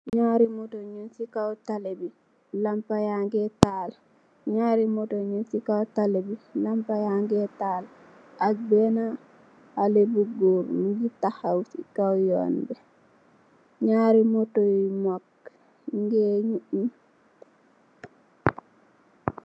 Ñaari moto ñiñ ci kaw tali bi lampa ya ngi tahal ak benna hali bu gór mugeh taxaw ci kaw yon bi.